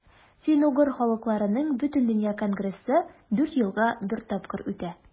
Фин-угыр халыкларының Бөтендөнья конгрессы дүрт елга бер тапкыр үтә.